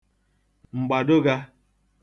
m̀gbàdụgā